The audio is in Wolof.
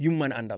yum mën a àndal